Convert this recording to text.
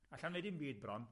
Alla i'm neud dim byd bron.